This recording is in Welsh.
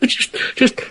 Ma'n jyst jyst